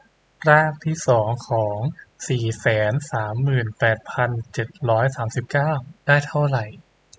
รากที่สองของสี่แสนสามหมื่นแปดพันเจ็ดร้อยสามสิบเก้าได้เท่าไหร่